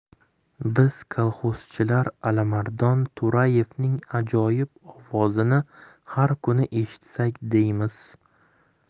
biz kolxozchilar alimardon to'rayevning ajoyib ovozini har kuni eshitsak deymiz